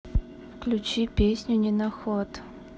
включи песню ненаход